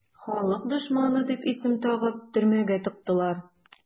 "халык дошманы" дип исем тагып төрмәгә тыктылар.